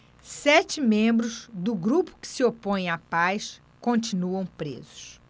sete membros do grupo que se opõe à paz continuam presos